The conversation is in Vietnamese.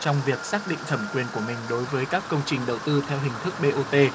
trong việc xác định thẩm quyền của mình đối với các công trình đầu tư theo hình thức bê ô tê